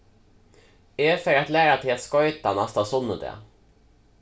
eg fari at læra teg at skoyta næsta sunnudag